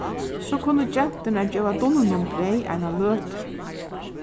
so kunnu genturnar geva dunnunum breyð eina løtu